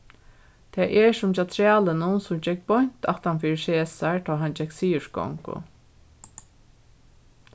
tað er sum hjá trælinum sum gekk beint aftan fyri caesar tá hann gekk sigursgongu